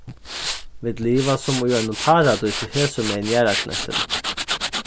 vit liva sum í einum paradísi hesumegin jarðarknøttin